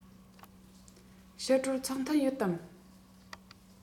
ཕྱི དྲོར ཚོགས ཐུན ཡོད དམ